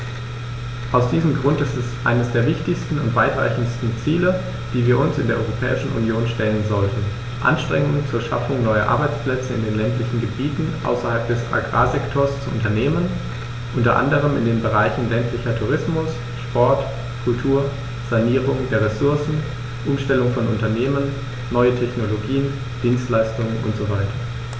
Aus diesem Grund ist es eines der wichtigsten und weitreichendsten Ziele, die wir uns in der Europäischen Union stellen sollten, Anstrengungen zur Schaffung neuer Arbeitsplätze in den ländlichen Gebieten außerhalb des Agrarsektors zu unternehmen, unter anderem in den Bereichen ländlicher Tourismus, Sport, Kultur, Sanierung der Ressourcen, Umstellung von Unternehmen, neue Technologien, Dienstleistungen usw.